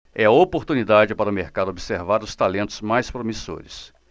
é a oportunidade para o mercado observar os talentos mais promissores